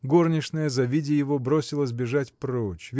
Горничная, завидя его, бросилась бежать прочь